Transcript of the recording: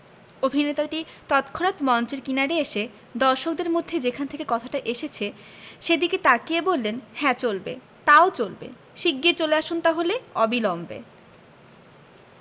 অভিনেতাটি তৎক্ষনাত মঞ্চের কিনারে এসে দর্শকদের মধ্যে যেখান থেকে কথাটা এসেছে সেদিকে তাকিয়ে বললেন হ্যাঁ চলবে তাও চলবে শিগগির চলে আসুন তাহলে অবিলম্বে